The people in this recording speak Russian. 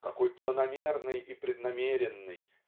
какой планомерной и преднамеренной